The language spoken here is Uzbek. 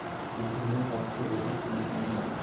yechimini topishga urinish mumkin emasdi